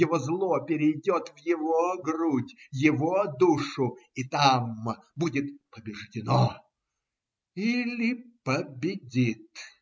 Его зло перейдет в его грудь, его душу, и там будет побеждено или победит